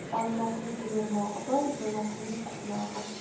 olmoqning bermog'i bor yemoqning qusmog'i